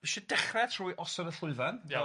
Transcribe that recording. dwi 'dio dechre trwy osod y llwyfan... Iawn...